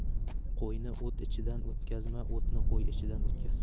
qo'yni o't ichidan o'tkazma o'tni qo'y ichidan o'tkaz